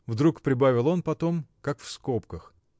— вдруг прибавил он потом, как в скобках.